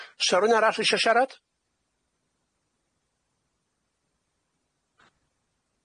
Sa rywun arall isio siarad?